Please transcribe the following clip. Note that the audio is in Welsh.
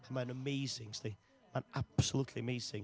A mae'n amazing, sdi, ma'n absolutely amazing.